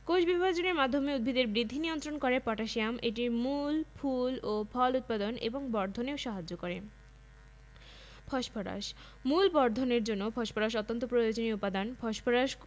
copper tomato সূর্যমুখী উদ্ভিদের স্বাভাবিক বৃদ্ধির জন্য কপার বা তামার প্রয়োজন শ্বসন পক্রিয়ার উপরও কপারের প্রভাব উল্লেখযোগ্য বোরন উদ্ভিদের সক্রিয়ভাবে বর্ধনশীল অঞ্চলের জন্য বোরন প্রয়োজন